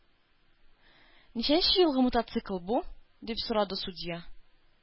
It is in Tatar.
Ничәнче елгы мотоцикл бу? – дип сорады судья.